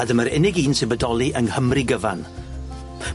A dyma'r unig un sy'n bodoli yng Nghymru gyfan.